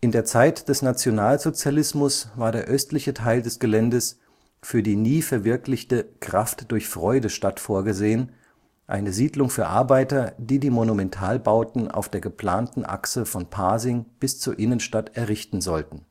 der Zeit des Nationalsozialismus war der östliche Teil des Geländes für die nie verwirklichte Kraft-durch-Freude-Stadt vorgesehen, eine Siedlung für Arbeiter, die die Monumentalbauten auf der geplanten Achse von Pasing bis zur Innenstadt errichten sollten